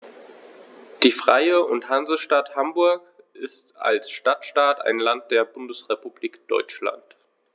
Die Freie und Hansestadt Hamburg ist als Stadtstaat ein Land der Bundesrepublik Deutschland.